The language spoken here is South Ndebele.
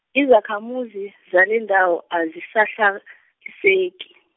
izakhamuzi, zalendawo, azisahlaliseki.